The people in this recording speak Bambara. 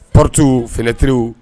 Portes, fenêtres